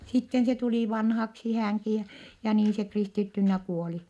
sitten se tuli vanhaksi hänkin ja ja niin se kristittynä kuoli